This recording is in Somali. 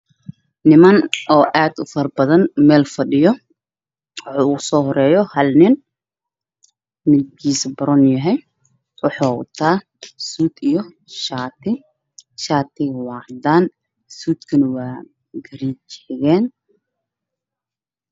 Waa niman aad u faro badan oo meel fadhiyo waxaa ugu soo horeeyo hal nin midabkiisu baroon yahay waxuu wataa suud iyo shaati cadaan ah, suudkana garee xegeen.